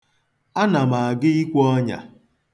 Ana m aga ikwe ọnya.